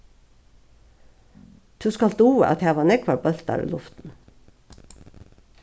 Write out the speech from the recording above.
tú skalt duga at hava nógvar bóltar í luftini